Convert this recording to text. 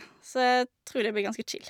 Så jeg tror det blir ganske chill.